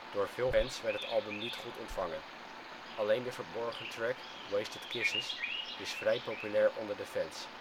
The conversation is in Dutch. Door veel fans werd het album niet goed ontvangen. Alleen de verborgen track Wasted Kisses is vrij populair onder de fans